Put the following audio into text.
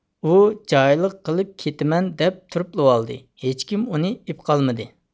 ئۇ جاھىللىق قىلىپ كېتىمەن دەپ تۇرۇپلىۋالدى ھېچكىم ئۇنى ئېپقالمىدى